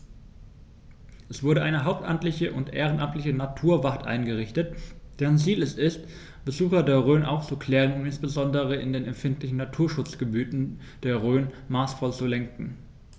Es wurde eine hauptamtliche und ehrenamtliche Naturwacht eingerichtet, deren Ziel es ist, Besucher der Rhön aufzuklären und insbesondere in den empfindlichen Naturschutzgebieten der Rhön maßvoll zu lenken.